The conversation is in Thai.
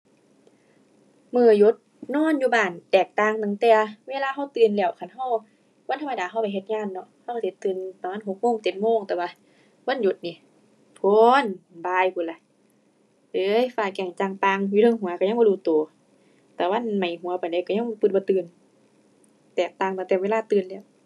มื้อหยุด นอนอยู่บ้าน แตกต่างตั้งแต่เวลาเราตื่นแล้ว คันเราวันธรรมดาเราเราเฮ็ดงานเนาะ เราเราสิตื่นประมาณหกโมงเจ็ดโมง แต่ว่าวันหยุดนี่ พู้น บ่ายพู้นล่ะ เอ้ย ฟ้าแจ้งจ่างป่างอยู่เทิงหัวเรายังบ่รู้เรา ตะวันไหม้หัวปานใดเรายังเป็นบ่ตื่น แตกต่างตั้งแต่เวลาตื่นแล้ว